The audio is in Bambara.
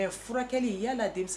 Ɛɛ, furakɛli, yala a d